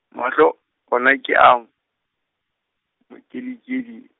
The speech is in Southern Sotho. mahlo, o na ke ao, mokedikedi.